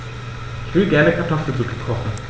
Ich will gerne Kartoffelsuppe kochen.